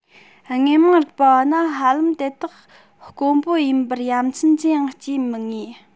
དངོས མང རིག པ བ ནི ཧ ལམ དེ དག དཀོན པོ ཡིན པར ཡ མཚན ཅི ཡང སྐྱེ མི ངེས